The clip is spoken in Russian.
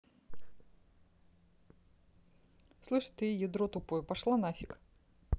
слышь ты ядро тупое пошла нафиг